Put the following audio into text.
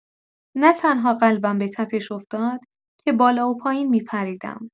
نه‌تنها قلبم به تپش افتاد، که بالا و پایین می‌پریدم.